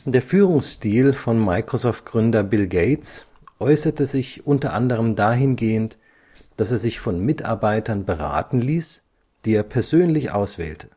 Der Führungsstil von Microsoft-Gründer Bill Gates äußerte sich unter anderem dahingehend, dass er sich von Mitarbeitern beraten ließ, die er persönlich auswählte